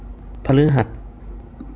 พฤหัส